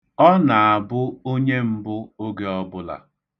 Ọ na-abụ onye mbụ oge ọbụla.